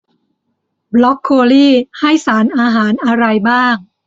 บล็อคโคลี่ให้สารอาหารอะไรบ้าง